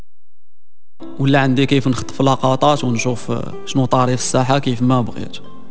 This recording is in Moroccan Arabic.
ولا عندي كيف اسوي نشوف اسمه طارق الساحه كيف ما بغيت